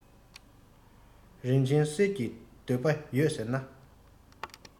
རིན ཆེན གསེར གྱི འདོད པ ཡོད ཟེར ན